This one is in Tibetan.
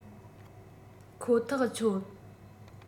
ཁོ ཐག ཆོད